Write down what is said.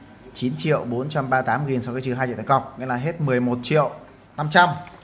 sau đó trừ jai trệu tiền cọc nghĩa là hết